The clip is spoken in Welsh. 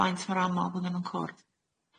faint mor amal bydde nhw'n cwrdd?